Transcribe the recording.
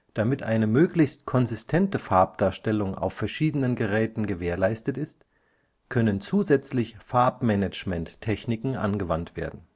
Damit eine möglichst konsistente Farbdarstellung auf verschiedenen Geräten gewährleistet ist, können zusätzlich Farbmanagement-Techniken angewandt werden